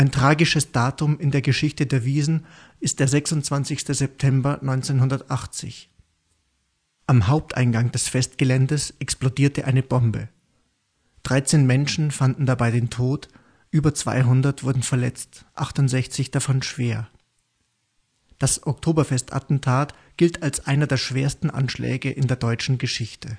tragisches Datum in der Geschichte der Wiesn ist der 26. September 1980. Am Haupteingang des Festgeländes explodierte eine Bombe. Dreizehn Menschen fanden dabei den Tod, über 200 wurden verletzt, 68 davon schwer. Das Oktoberfestattentat gilt als einer der schwersten Anschläge in der deutschen Geschichte